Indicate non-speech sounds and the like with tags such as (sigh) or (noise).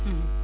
(hesitation) (hesitation)